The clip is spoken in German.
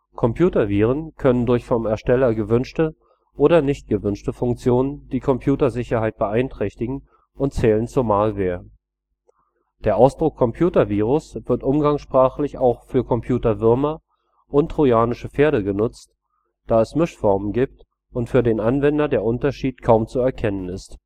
Computerviren können durch vom Ersteller gewünschte oder nicht gewünschte Funktionen die Computersicherheit beeinträchtigen und zählen zur Malware. Der Ausdruck Computervirus wird umgangssprachlich auch für Computerwürmer und Trojanische Pferde genutzt, da es oft Mischformen gibt und für Anwender der Unterschied kaum zu erkennen ist